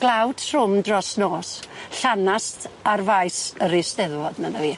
Glaw trwm dros nos llanast ar faes yr Eisteddfod, medda fi.